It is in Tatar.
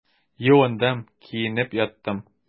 Юындым, киенеп яттым.